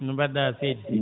no mbaɗɗa seydi Sy